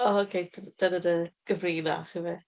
O, okay, d- dyna dy gyfrinach, ife?